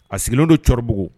A sigilen don Cɔribugu